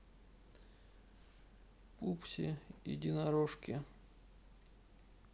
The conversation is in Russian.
пупси единорожки